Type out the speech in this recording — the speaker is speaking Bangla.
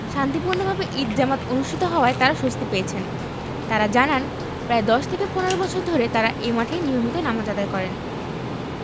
শান্তিপূর্ণভাবে ঈদ জামাত অনুষ্ঠিত হওয়ায় তাঁরা স্বস্তি পেয়েছেন তাঁরা জানান প্রায় ১০ থেকে ১৫ বছর ধরে তাঁরা এ মাঠে নিয়মিত নামাজ আদায় করেন